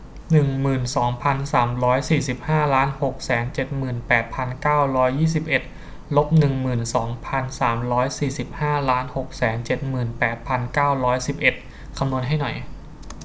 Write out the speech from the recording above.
หนึ่งหมื่นสองพันสามร้อยสี่สิบห้าล้านหกแสนเจ็ดหมื่นแปดพันเก้าร้อยยี่สิบเอ็ดลบหนึ่งหมื่นสองพันสามร้อยสี่สิบห้าล้านหกแสนเจ็ดหมื่นแปดพันเก้าร้อยสิบเอ็ดคำนวณให้หน่อย